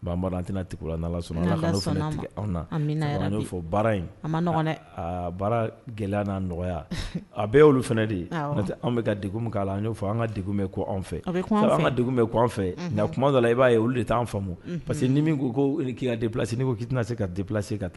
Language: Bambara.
Tɛnala sɔnnao baara gɛlɛya nɔgɔya a bɛɛ olu fana de ye n bɛ ka k'a la n'o fɔ an ka degek bɛ anw fɛ bɛ ka dugu bɛ anw fɛ nka kuma dɔ la i b'a ye olu de t'an faamumu parce que ni min ko dalase' ko k ki tɛnainase se kalase ka